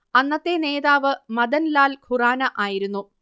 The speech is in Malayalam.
അന്നത്തെ നേതാവ് മദൻ ലാൻ ഖുറാന ആയിരുന്നു